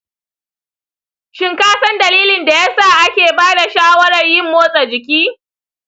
shin ka san dalilin da ya sa ake ba da shawarar yin motsa jiki?